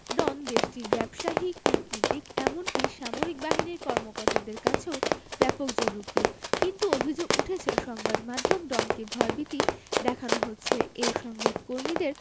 ডন দেশটির ব্যবসায়ী কূটনীতিক এমনকি সামরিক বাহিনীর কর্মকর্তাদের কাছেও ব্যাপক জনপ্রিয় কিন্তু অভিযোগ উঠেছে সংবাদ মাধ্যম ডনকে ভয়ভীতি দেখানো হচ্ছে এর সংবাদ কর্মীদের